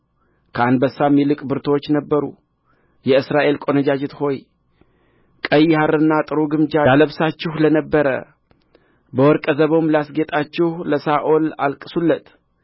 ከአንበሳም ይልቅ ብርቱዎች ነበሩ የእስራኤል ቈነጃጅት ሆይ ቀይ ሐርና ጥሩ ግምጃ ያለብሳችሁ ለነበረ በወርቀዘቦም ላስጌጣችሁ ለሳኦል አልቅሱለት